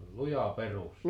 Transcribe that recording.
se oli luja perusta